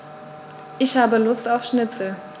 Ich habe Lust auf Schnitzel.